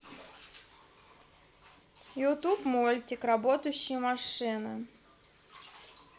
ютуб мультик работающие машины